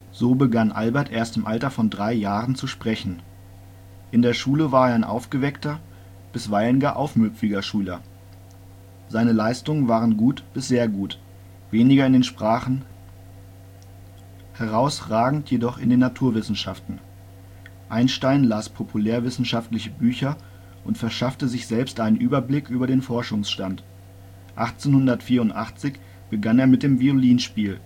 So begann Albert erst im Alter von drei Jahren zu sprechen. In der Schule war er ein aufgeweckter, bisweilen gar aufmüpfiger Schüler. Seine Leistungen waren gut bis sehr gut, weniger in den Sprachen, herausragend jedoch in den Naturwissenschaften. Einstein las populärwissenschaftliche Bücher und verschaffte sich selbst einen Überblick über den Forschungsstand. 1884 begann er mit dem Violinspiel